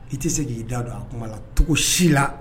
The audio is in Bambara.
I tɛ se k'i da don a kuma la cogo si la